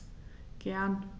Gern.